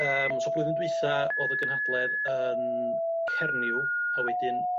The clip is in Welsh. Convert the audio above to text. yym so blwyddyn dwitha o'dd y gynhadledd yn Cernyw a wedyn